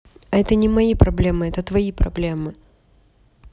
а это не мои проблемы это твои проблемы